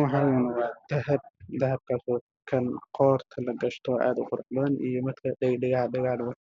Waa boom bal midabkiisu yahay madow waxaa ku jira ka timideedkiisu yahay dahab iyo miis